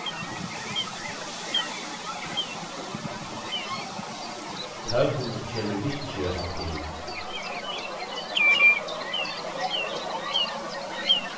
tøgn kemur ikki á ting